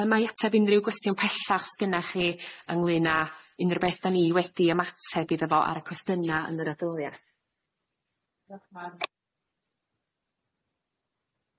Yym 'na i ateb unrhyw gwestiwn pellach sgynna chi ynglyn â unryw beth 'dan ni wedi ymateb iddo fo ar y cwestyna yn yr adroddiad.